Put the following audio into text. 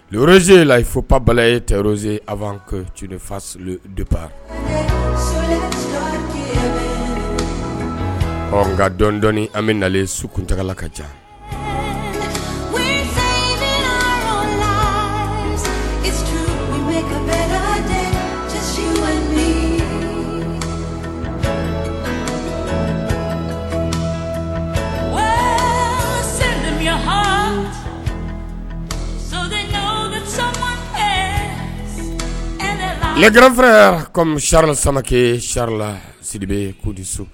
Ze layi fo paba ye tɛroze a' ka tilefa de pa nka dɔɔnin an bɛ nalen su kuntaala ka ca ka wa sɛ sama fɛ larafa siro sama kɛ sirola sibe kodiso